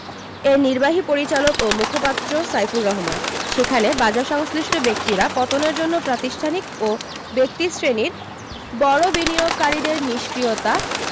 এর নির্বাহী পরিচালক ও মুখপাত্র সাইফুর রহমান সেখানে বাজারসংশ্লিষ্ট ব্যক্তিরা পতনের জন্য প্রাতিষ্ঠানিক ও ব্যক্তিশ্রেণির বড় বিনিয়োগকারীদের নিষ্ক্রিয়তা